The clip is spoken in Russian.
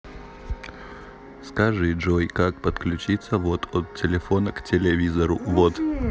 скажи джой как подключиться вот от телефона к телевизору вот